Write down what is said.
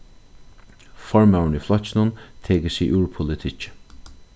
formaðurin í flokkinum tekur seg úr politikki